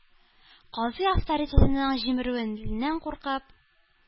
Казый, авторитетының җимерелүеннән куркып,